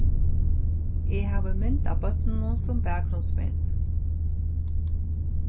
eg havi mynd av børnunum sum bakgrundsmynd